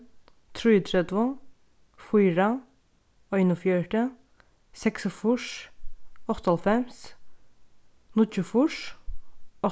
trýogtretivu fýra einogfjøruti seksogfýrs áttaoghálvfems níggjuogfýrs